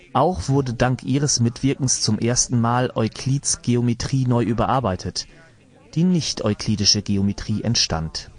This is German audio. Auch wurde dank ihres Mitwirkens zum ersten Mal Euklids Geometrie neu überarbeitet: die Nichteuklidische Geometrie entstand